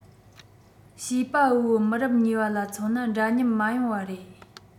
བྱིས པ དབུལ པོའི མི རབས གཉིས པ ལ མཚོན ན འདྲ མཉམ མ ཡོང བ རེད